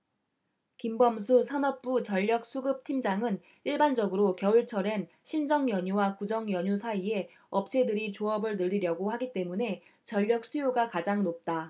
김범수 산업부 전력수급팀장은 일반적으로 겨울철엔 신정연휴와 구정연휴 사이에 업체들이 조업을 늘리려고 하기 때문에 전력수요가 가장 높다